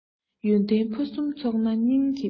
ཡོན ཏན ཕུན སུམ ཚོགས ན སྙིང གི བུ